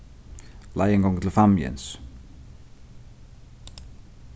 leiðin gongur til fámjins